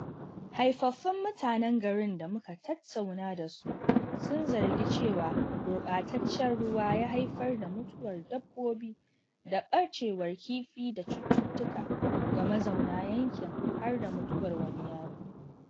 Haifaffun Mutanen garin da muka tattauna dasu sun zargi cewa gurɓataccen ruwa ya haifar da mutuwar dabbobi da ɓacewar kifi da cututtuka ga mazauna yankin har da mutuwar wani yaro.